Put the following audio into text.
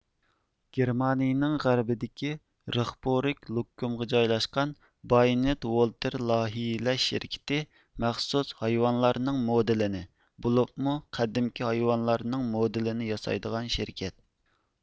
گېرمانىيىنىڭ غەربىدىكى رېخبۇرگ لوككۇمغا جايلاشقان بايند ۋولتىر لايىھىلەش شىركىتى مەخسۇس ھايۋانلارنىڭ مودېلىنى بولۇپمۇ قەدىمكى ھايۋانلارنىڭ مودېلىنى ياسايدىغان شىركەت